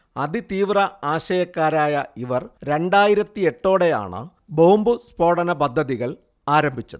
അതി തീവ്ര ആശയക്കാരായ ഇവർ രണ്ടായിരത്തിഎട്ടോടെയാണ് ബോംബ് സ്ഫോടനപദ്ധതികൾ ആരംഭിച്ചത്